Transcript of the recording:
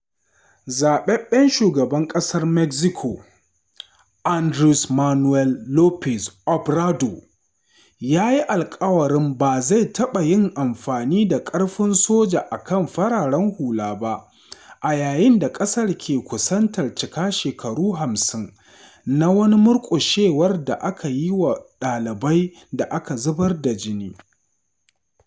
Zaɓaɓɓen Shugaban Ƙasar Mexico Andres Manuel Lopez Obrador ya yi alkawarin ba zai taɓa yin amfani da ƙarfin soja a kan fararen hula ba a yayin da ƙasar ke kusantar cika shekaru 50 na wani murƙushewar da aka yi wa ɗalibai da aka zubar da jini.